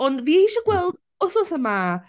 Ond fi isie gweld, wythnos yma...